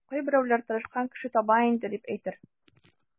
Кайберәүләр тырышкан кеше таба инде, дип әйтер.